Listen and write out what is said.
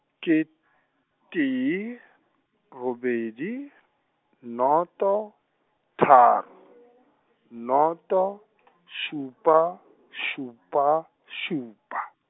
ke , tee, robedi, noto, tharo, noto , šupa, šupa, šupa.